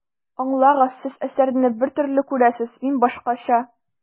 Аңлагыз, Сез әсәрне бер төрле күрәсез, мин башкача.